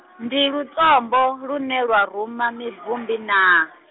ndi lutombo lune lwa ruma mibvumbi naa?